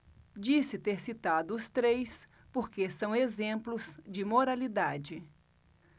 disse ter citado os três porque são exemplos de moralidade